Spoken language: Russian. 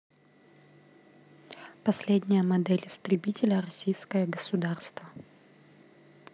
последняя модель истребителя российское государство